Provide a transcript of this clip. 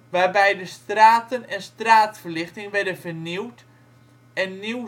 waarbij de straten en straatverlichting werden vernieuwd en nieuw